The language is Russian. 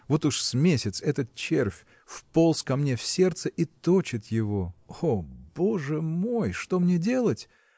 вот уж с месяц этот червь вполз ко мне в сердце и точит его. О, боже мой, что мне делать?